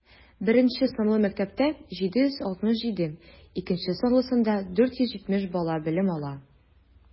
Беренче санлы мәктәптә - 767, икенче санлысында 470 бала белем ала.